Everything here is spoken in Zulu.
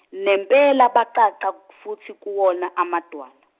nempela bacaca ku futhi kuwona amadwala.